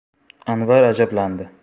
anvar ajablandi